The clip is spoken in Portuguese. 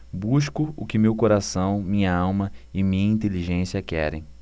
busco o que meu coração minha alma e minha inteligência querem